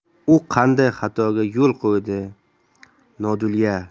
u qanday xatoga yo'l qo'ydi nadulya